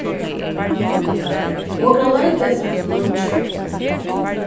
okur hava leitað eftir hasum leingi